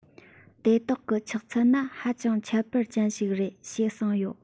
དེ དག གི ཆགས ཚུལ ནི ཧ ཅང ཁྱད པར ཅན ཞིག རེད ཅེས གསུངས ཡོད